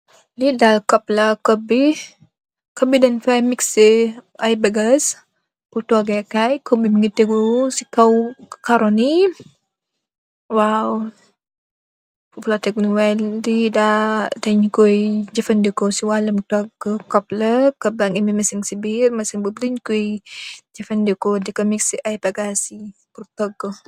Lii amb pot la dange coye jefedekouwe cii wallou toggou